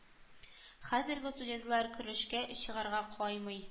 Хәзерге студентлар көрәшкә чыгарга каймый